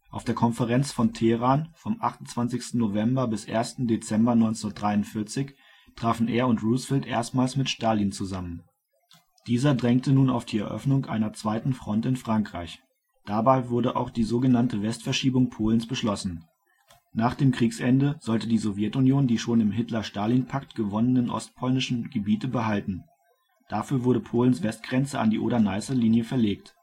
Auf der Konferenz von Teheran vom 28. November bis 1. Dezember 1943 trafen er und Roosevelt erstmals mit Stalin zusammen: Dieser drängte nun auf die Eröffnung einer zweiten Front in Frankreich. Dabei wurde auch die so genannte Westverschiebung Polens beschlossen: Nach dem Kriegsende sollte die Sowjetunion die schon im Hitler-Stalin-Pakt gewonnenen ostpolnischen Gebiete behalten, dafür wurde Polens Westgrenze an die Oder-Neiße-Linie verlegt